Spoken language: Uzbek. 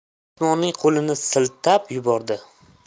u usmonning qo'lini siltab yubordi